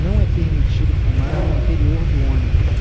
não é permitido fumar no interior do ônibus